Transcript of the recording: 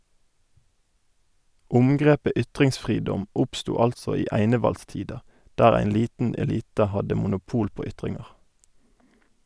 Omgrepet ytringsfridom oppstod altså i einevaldstida, der ein liten elite hadde monopol på ytringar.